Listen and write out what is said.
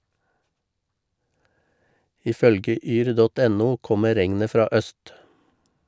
I følge yr.no kommer regnet fra øst.